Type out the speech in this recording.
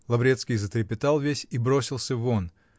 Лаврецкий затрепетал весь и бросился вон